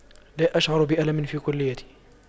لا أشعر بألم في كليتي